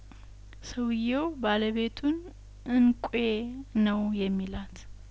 ሰውዬው ባለቤቱን እንቋ ነው የሚላት